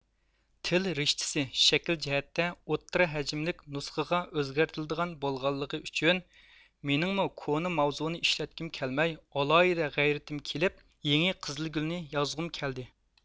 تىل رىشتىسى شەكىل جەھەتتە ئوتتۇرا ھەجىملىك نۇسخىغا ئۆزگەرتىلىدىغان بولغانلىقى ئۈچۈن مېنىڭمۇ كونا ماۋزۇنى ئىشلەتكۈم كەلمەي ئالاھىدە غەيرىتىم كېلىپ يېڭى قىزىلگۈلنى يازغۇم كەلدى